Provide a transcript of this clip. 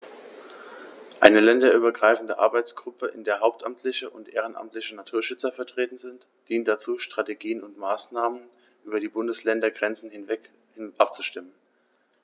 Eine länderübergreifende Arbeitsgruppe, in der hauptamtliche und ehrenamtliche Naturschützer vertreten sind, dient dazu, Strategien und Maßnahmen über die Bundesländergrenzen hinweg abzustimmen.